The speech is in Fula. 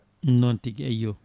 noon tigui eyyo